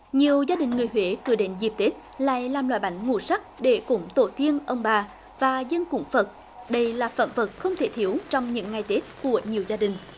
nhiều gia đình người huế cứ đến dịp tết này làm loại bánh ngũ sắc để cúng tổ tiên ông bà và dâng cúng phật đây là sản vật không thể thiếu trong những ngày tết của nhiều gia đình